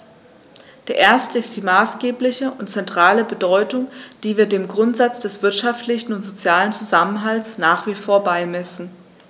Der erste ist die maßgebliche und zentrale Bedeutung, die wir dem Grundsatz des wirtschaftlichen und sozialen Zusammenhalts nach wie vor beimessen.